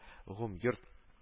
Гомйорт